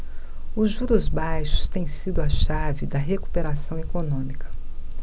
os juros baixos têm sido a chave da recuperação econômica